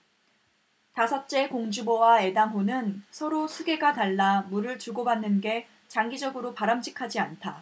다섯째 공주보와 예당호는 서로 수계가 달라 물을 주고받는 게 장기적으로 바람직하지 않다